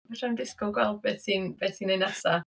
Fedra i'm disgwyl gweld be ti'n be ti'n wneud nesa.